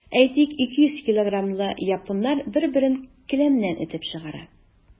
Әйтик, 200 килограммлы японнар бер-берен келәмнән этеп чыгара.